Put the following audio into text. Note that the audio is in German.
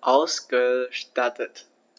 ausgestattet.